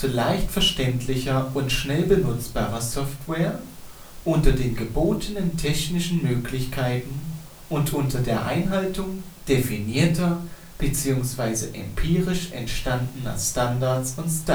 leicht verständlicher und schnell benutzbarer Software unter den gebotenen technischen Möglichkeiten und unter der Einhaltung definierter bzw. empirisch entstandener Standards und Styleguides